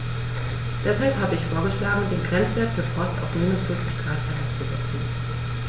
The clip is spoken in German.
Deshalb habe ich vorgeschlagen, den Grenzwert für Frost auf -40 ºC herabzusetzen.